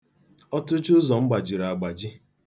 Ọtụchi ụzọ m gbajiri agbaji.